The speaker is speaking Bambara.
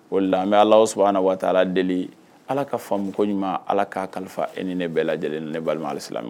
O la bɛ ala sɔrɔ ala waa ala deli ala ka famu ko ɲuman ala k kaa kalifa e ni ne bɛɛ lajɛlen ni ne balima silamɛ